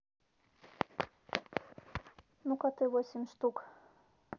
ну ка ты восемь штук